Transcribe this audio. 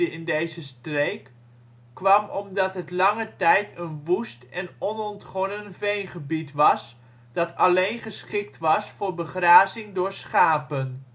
in deze streek, kwam omdat het lange tijd een woest en onontgonnen veengebied was, dat alleen geschikt was voor begrazing door schapen